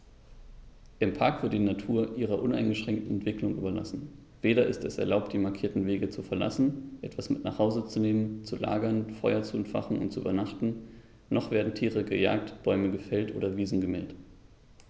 Im Park wird die Natur ihrer uneingeschränkten Entwicklung überlassen; weder ist es erlaubt, die markierten Wege zu verlassen, etwas mit nach Hause zu nehmen, zu lagern, Feuer zu entfachen und zu übernachten, noch werden Tiere gejagt, Bäume gefällt oder Wiesen gemäht.